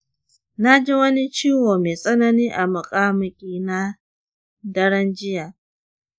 naji wani ciwo mai tsanani a muƙamuƙi na daren jiya.